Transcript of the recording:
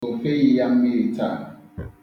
O feghị ya mmiri taa.